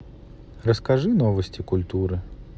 расскажи новости культуры